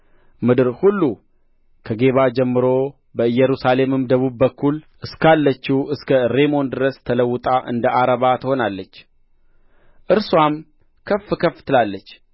ምድር ሁሉ ከጌባ ጀምሮ በኢየሩሳሌምም ደቡብ በኩል እስካለችው እስከ ሬሞን ድረስ ተለውጣ እንደ ዓረባ ትሆናለች እርስዋም ከፍ ከፍ ትላለች